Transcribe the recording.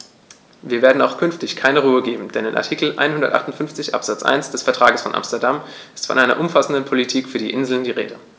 Wir werden auch künftig keine Ruhe geben, denn in Artikel 158 Absatz 1 des Vertrages von Amsterdam ist von einer umfassenden Politik für die Inseln die Rede.